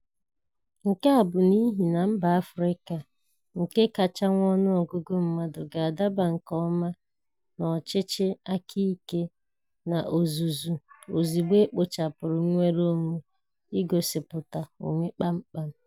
Nke a bụ n'ihi na mba Afịrịka nke kacha nwee ọnụọgụgụ mmadụ ga-adaba nke ọma n'ọchịchị aka ike n'ozuzu ozugbo e kpochapụrụ nnwere onwe n'igosipụta onwe kpamkpam.